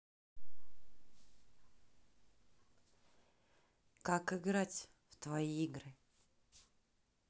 как играть в твои игры